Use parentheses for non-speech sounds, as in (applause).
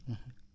(hesitation) (hesitation)